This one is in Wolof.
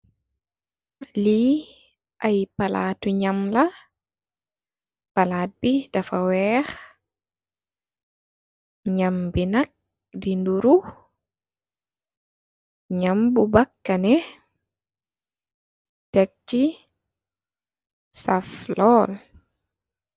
Li ay palatu ñam la, palat bi dafa wèèx , ñam bi nak di niro ñam bu bakaneh tekci saf lol.